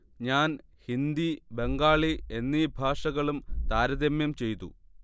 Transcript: ഞാൻ ഹിന്ദി ബംഗാളി എന്നീ ഭാഷകളും താരതമ്യം ചെയ്തു